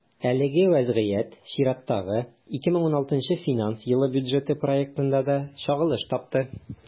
Әлеге вазгыять чираттагы, 2016 финанс елы бюджеты проектында да чагылыш тапты.